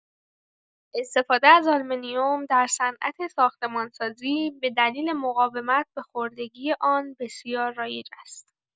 استفاده از آلومینیوم در صنعت ساختمان‌سازی به دلیل مقاومت به خوردگی آن بسیار رایج است.